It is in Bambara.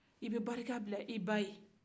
i bɛ barika bila i ba ye